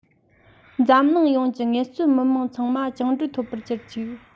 འཛམ གླིང ཡོངས ཀྱི ངལ རྩོལ མི དམངས ཚང མ བཅིངས བཀྲོལ འཐོབ པར གྱུར ཅིག